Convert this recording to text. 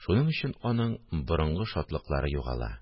Шуның өчен аның борынгы шатлыклары югала